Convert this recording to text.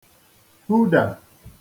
hudà